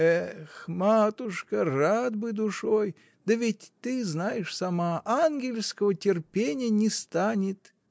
— Эх, матушка, рад бы душой, да ведь ты знаешь сама: ангельского терпения не станет.